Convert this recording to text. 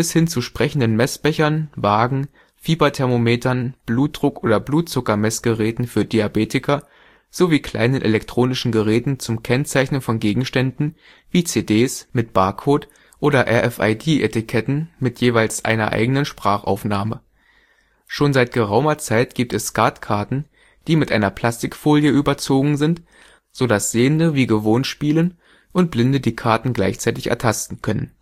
hin zu sprechenden Messbechern, Waagen, Fieberthermometern, Blutdruck - oder Blutzuckermessgeräten für Diabetiker sowie kleinen elektronischen Geräten zum Kennzeichnen von Gegenständen wie CDs mit Barcode - oder RFID-Etiketten mit jeweils einer eigenen Sprachaufnahme. Schon seit geraumer Zeit gibt es Skatkarten, die mit einer Plastikfolie überzogen sind, sodass Sehende wie gewohnt spielen und Blinde die Karten gleichzeitig ertasten können